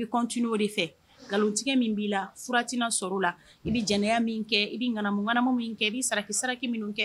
It fɛ nkalontigɛ min b'i la i bɛ jɛnɛya min kɛ i bɛ ŋmgma min kɛ i bɛ saraka saraka min kɛ